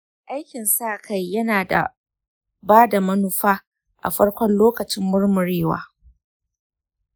aikin sa-kai yana ba da manufa a farkon lokacin murmurewa.